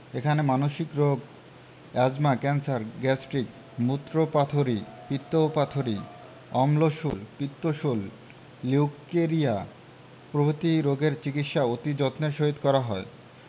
এখানে মানসিক রোগ এ্যজমা ক্যান্সার গ্যাস্ট্রিক মুত্রপাথড়ী পিত্তপাথড়ী অম্লশূল পিত্তশূল লিউকেরিয়া প্রভৃতি রোগের চিকিৎসা অতি যত্নের সহিত করা হয়